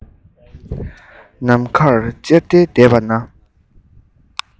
ནམ མཁར ཅེར ཏེ བསྡད པ ན